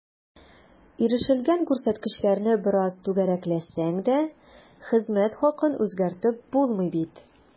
Ирешелгән күрсәткечләрне бераз “түгәрәкләсәң” дә, хезмәт хакын үзгәртеп булмый бит.